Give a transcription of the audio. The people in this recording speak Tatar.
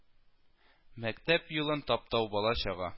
Мәктәп юлын таптау бала-чага